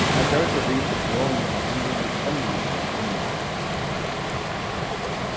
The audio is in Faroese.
tað gjørdu vit í stovuni hjá henni við spennandi vinningum